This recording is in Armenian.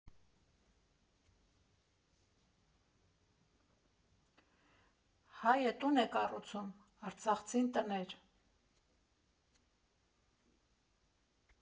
Հայը տուն է կառուցում, արցախցին՝ տներ։